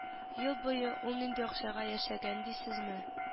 Ел буе ул нинди акчага яшәгән дисезме